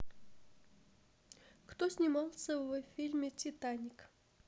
кто снимался в фильме титаник